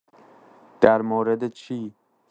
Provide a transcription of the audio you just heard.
درمورد چی؟